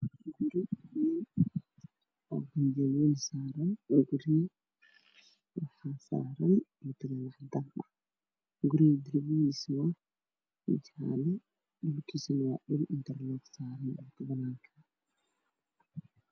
Waa guri wayn oo ganjeel wayn saaran oo garee ah waxaa saaran mutuleel cadaan ah, guriga darbigiisu waa jaale midabkiisu waa dhul intar loog saaran.